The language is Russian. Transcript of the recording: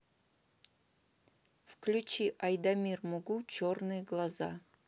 включи айдамир мугу черные глаза